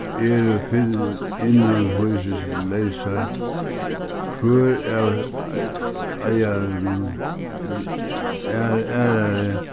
eru innanhýsis leysar hvør eigarunum aðrari